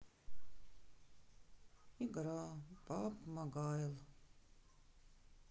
игра пабг мобайл